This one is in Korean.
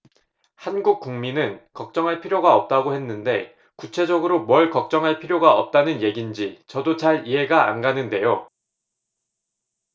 한국 국민은 걱정할 필요가 없다고 했는데 구체적으로 뭘 걱정할 필요가 없다는 얘긴지 저도 잘 이해가 안 가는데요